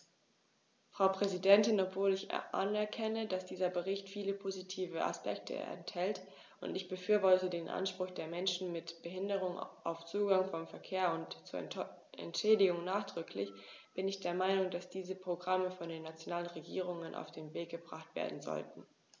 Frau Präsidentin, obwohl ich anerkenne, dass dieser Bericht viele positive Aspekte enthält - und ich befürworte den Anspruch der Menschen mit Behinderung auf Zugang zum Verkehr und zu Entschädigung nachdrücklich -, bin ich der Meinung, dass diese Programme von den nationalen Regierungen auf den Weg gebracht werden sollten.